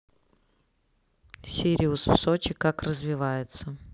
сириус в сочи как развивается